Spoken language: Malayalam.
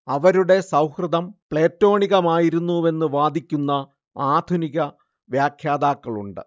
അവരുടെ സൗഹൃദം പ്ലേറ്റോണികമായിരുന്നുവെന്ന് വാദിക്കുന്ന ആധുനിക വ്യാഖ്യാതാക്കളുണ്ട്